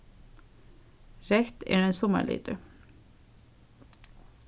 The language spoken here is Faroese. reytt er ein summarlitur